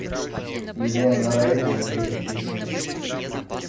елена райтман переписка